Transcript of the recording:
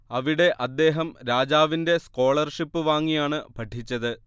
അവിടെ അദ്ദേഹം രാജാവിന്റെ സ്കോളർഷിപ്പ് വാങ്ങിയാണ് പഠിച്ചത്